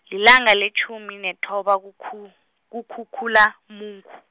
lilanga letjhumi nethoba, kukhu-, kuKhukhulamungu.